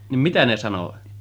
niin mitä ne sanoi